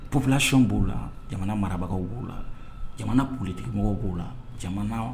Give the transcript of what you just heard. Population bo la. Jamana marabagaw bo la . Jamana politique mɔgɔw bo la . Jamana